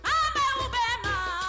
Faama bɛ bɛ ma